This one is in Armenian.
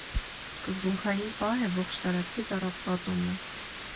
Սկզբունքային պահ է ողջ տարածքի ծառապատումը.